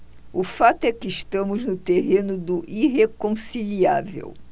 o fato é que estamos no terreno do irreconciliável